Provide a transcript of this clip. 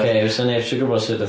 Oce wel 'sa neb isio gwbod sut ath...